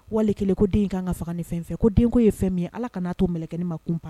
Wali kelen ko den k'an ka faga ni fɛn o fɛn ko den ko ye fɛn min ye allah kana n'a to mɛlkɛni to kunpa la.